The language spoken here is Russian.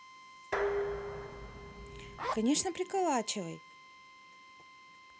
конечно приколачивай